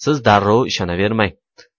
siz darrov ishonavermang